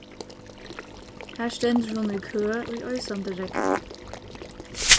har stendur hon í kø í oysandi regni